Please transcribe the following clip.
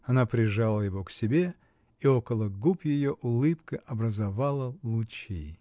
Она прижала его к себе, и около губ ее улыбка образовала лучи.